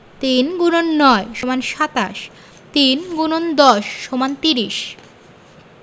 ৩ X ৯ = ২৭ ৩ ×১০ = ৩০